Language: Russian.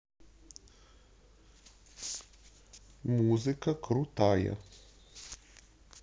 музыка крутая